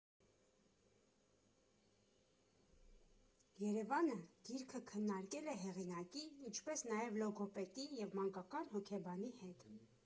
ԵՐԵՎԱՆը գիրքը քննարկել է հեղինակի, ինչպես նաև լոգոպեդի և մանկական հոգեբանի հետ։